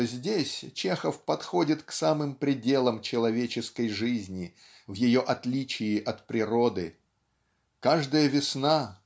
что здесь Чехов подходит к самым пределам человеческой жизни в ее отличии от природы. Каждая весна